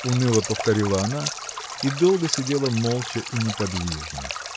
– уныло повторила она и долго сидела молча и неподвижно.